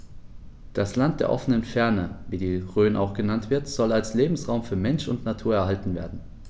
Das „Land der offenen Fernen“, wie die Rhön auch genannt wird, soll als Lebensraum für Mensch und Natur erhalten werden.